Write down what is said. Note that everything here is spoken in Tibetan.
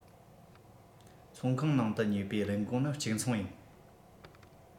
ཚོང ཁང ནང དུ ཉོས པའི རིན གོང ནི གཅིག མཚུངས ཡིན